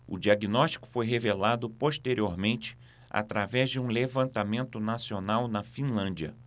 o diagnóstico foi revelado posteriormente através de um levantamento nacional na finlândia